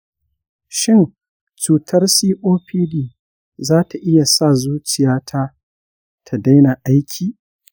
shin cutar copd za ta iya sa zuciyata ta daina aiki?